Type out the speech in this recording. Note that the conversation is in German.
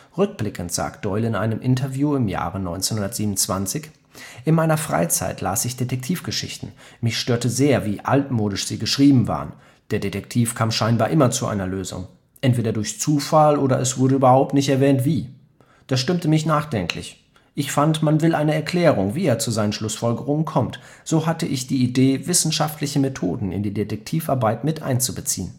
Rückblickend sagte Doyle in einem Interview im Jahre 1927: „ In meiner Freizeit las ich Detektivgeschichten. Mich störte sehr, wie altmodisch sie geschrieben waren. Der Detektiv kam scheinbar immer zu einer Lösung. Entweder durch Zufall, oder es wurde überhaupt nicht erwähnt, wie. Das stimmte mich nachdenklich. Ich fand, man will eine Erklärung, wie er zu seinen Schlussfolgerungen kommt. So hatte ich die Idee, wissenschaftliche Methoden in die Detektivarbeit mit einzubeziehen